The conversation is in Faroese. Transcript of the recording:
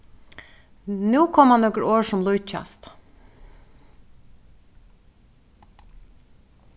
nú koma nøkur orð sum líkjast